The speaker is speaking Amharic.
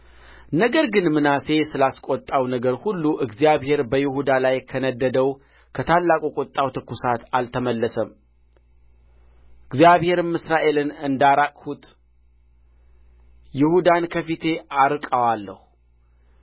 ነገር ግን ምናሴ ስላስቈጣው ነገር ሁሉ እግዚአብሔር በይሁዳ ላይ ከነደደው ከታላቁ ቍጣው ትኵሳት አልተመለሰም እግዚአብሔርም እስራኤልን እንዳራቅሁት ይሁዳን ከፊቴ አርቀዋላሁ